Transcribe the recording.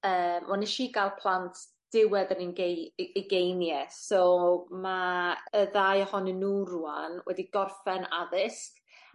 yy wel nesh i ga'l plant diwedd 'yn ugei- u- ugeinie so ma' y ddau ohonyn n'w rŵan wedi gorffen addysg.